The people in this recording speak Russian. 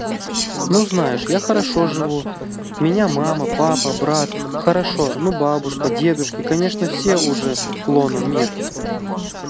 ну знаешь я хорошо живу менять мама папа брат хорошо ну бабушка дедушки конечно все уже лоно мир